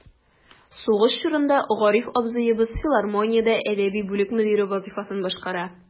Сугыш чорында Гариф абзыебыз филармониядә әдәби бүлек мөдире вазыйфасын башкара.